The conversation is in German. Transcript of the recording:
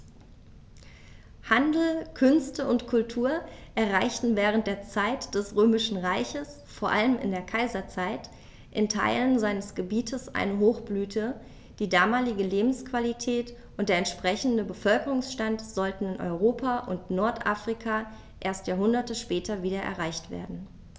Handel, Künste und Kultur erreichten während der Zeit des Römischen Reiches, vor allem in der Kaiserzeit, in Teilen seines Gebietes eine Hochblüte, die damalige Lebensqualität und der entsprechende Bevölkerungsstand sollten in Europa und Nordafrika erst Jahrhunderte später wieder erreicht werden.